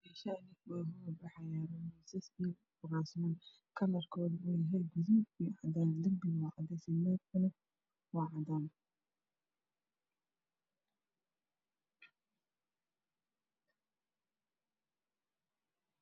Meeshaani waa qol waxaa yaalo kuraasman miisas kalarkisa yahay guduud iyo cadaan darbigana waa cadays leerkana wa cadays